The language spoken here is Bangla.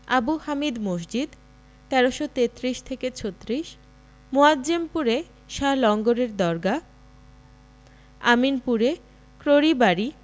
আবদুল হামিদ মসজিদ১৪৩৩ ৩৬ মুয়াজ্জমপুরে শাহ লঙ্গরের দরগাহ আমিনপুরে ক্রোড়িবাড়ি